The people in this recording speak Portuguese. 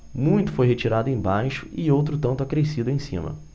muito foi retirado embaixo e outro tanto acrescido em cima